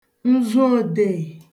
nzuodeè